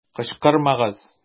Кычкырмагыз!